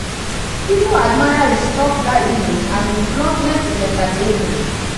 People admire his tough guy image and his bluntness is entertaining.